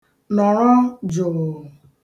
Nọrọ jụụ.